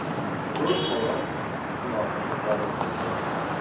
to'rt soat kutmog'imiz zarur ekan